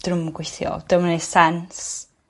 'dyn n'w 'im yn gweithio. @di o'n yn neu' sense.